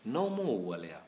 n'aw m'o waleya